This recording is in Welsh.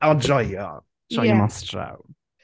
O joio!... Ie... Joio mas draw.